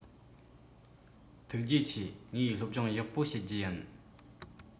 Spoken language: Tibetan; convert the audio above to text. ཐུགས རྗེ ཆེ ངས སློབ སྦྱོང ཡག པོ བྱེད རྒྱུ ཡིན